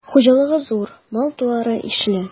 Хуҗалыгы зур, мал-туары ишле.